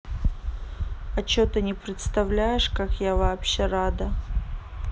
а че ты не представляешь как я вообще рада